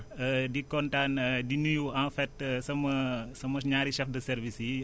di kontaan di nuyu en fait sama sama ñaari chefs de service yi